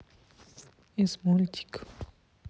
из мультика